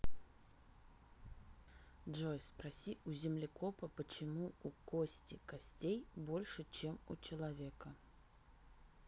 джой спроси у землекопа почему у кости костей больше чем у человека